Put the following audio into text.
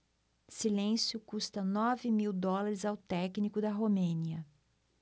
silêncio custa nove mil dólares ao técnico da romênia